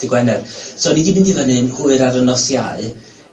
dy' Gwener. So o'n i 'di mynd i fyny yn hwyr ar nos Iau.